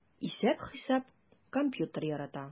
Исәп-хисап, компьютер ярата...